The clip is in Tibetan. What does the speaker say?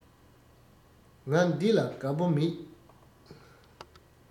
ང འདི ལ དགའ པོ མེད